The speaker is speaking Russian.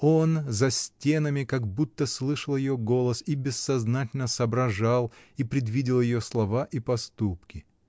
Он за стенами как будто слышал ее голос и бессознательно соображал и предвидел ее слова и поступки.